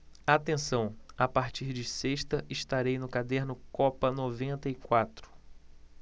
atenção a partir de sexta estarei no caderno copa noventa e quatro